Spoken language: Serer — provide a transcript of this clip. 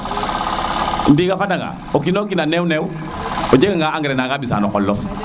ndinga fada o kino kin a neew neew o jega engrais na nga mbisa no qolof